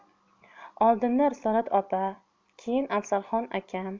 oldinda risolat opa keyin afzalxon akam